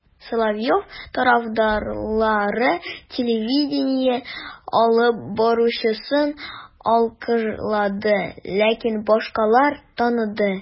Соловьев тарафдарлары телевидение алып баручысын алкышлады, ләкин башкалар таныды: